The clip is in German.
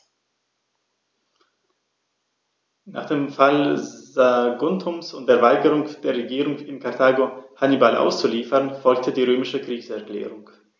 Nach dem Fall Saguntums und der Weigerung der Regierung in Karthago, Hannibal auszuliefern, folgte die römische Kriegserklärung.